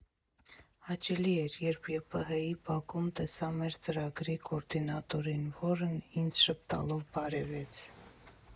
Հաճելի էր, երբ ԵՊՀ֊ի բակում տեսա մեր ծրագրի կոորդինատորին, որն ինձ ժպտալով բարևեց։